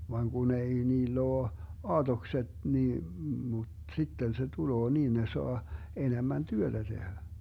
vaan kun ei niillä ole aatokset niin mutta sitten se tulee niin ne saa enemmän työtä tehdä